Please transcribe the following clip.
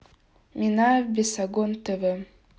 минаев бесогон тв